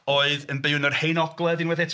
Oedd yn byw yn yr Hen Ogledd unwaith eto.